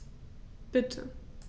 Bitte.